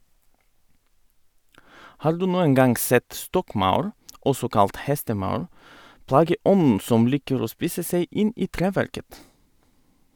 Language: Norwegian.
Har du noen gang sett stokkmaur, også kalt hestemaur, plageånden som liker å spise seg inn i treverket?